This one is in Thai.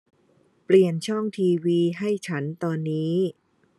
เปลี่ยนช่องทีวีให้ฉันตอนนี้